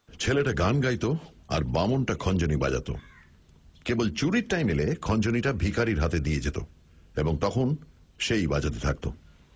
ছেলেটা গান গাইত আর বামনটা খঞ্জনি বাজাত কেবল চুরির টাইম এলে খঞ্জনিটা ভিখারির হাতে দিয়ে যেত এবং তখন সে ই বাজাতে থাকত